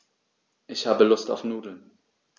Ich habe Lust auf Nudeln.